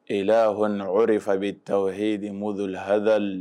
E la huna o de fa bɛ taa o h de mɔ don la hadli